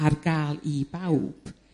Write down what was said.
Ar ga'l i bawb